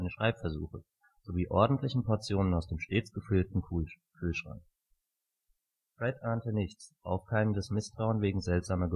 Schreibversuche sowie ordentlichen Portionen aus dem stets gut gefüllten Kühlschrank. Fred ahnte nichts. Aufkeimendes Misstrauen wegen seltsamer